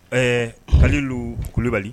Ɛɛ hali donbali